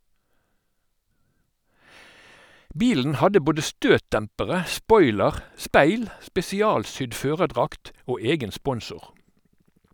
Bilen hadde både støtdempere, spoiler, speil, spesialsydd førerdrakt og egen sponsor.